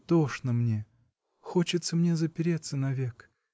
тошно мне, хочется мне запереться навек.